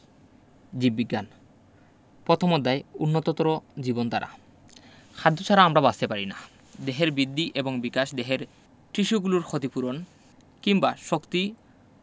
জীববিজ্ঞান প্রথম অধ্যায় উন্নততর জীবনধারা খাদ্য ছাড়া আমরা বাঁচতে পারি না দেহের বৃদ্ধি এবং বিকাশ দেহের টিস্যুগুলোর ক্ষতি পূরণ কিংবা শক্তি